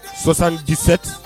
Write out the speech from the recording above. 77